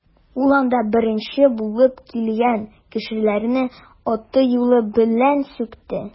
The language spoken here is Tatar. Ул анда беренче булып килгән кешеләрне аты-юлы белән сүкте.